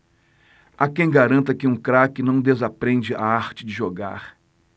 há quem garanta que um craque não desaprende a arte de jogar